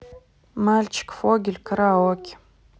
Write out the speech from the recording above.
мальчик фогель караоке